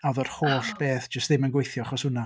A oedd yr... o! ...holl beth jyst ddim yn gweithio achos hwnna.